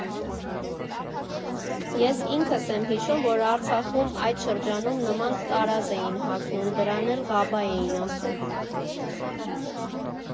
Ես ինքս եմ հիշում, որ Արցախում այդ շրջանում նման տարազ էին հագնում, դրան էլ «ղաբա» էին ասում։